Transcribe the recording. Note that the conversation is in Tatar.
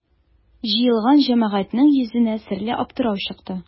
Җыелган җәмәгатьнең йөзенә серле аптырау чыкты.